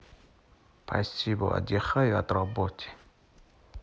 спасибо отдыхаю от работы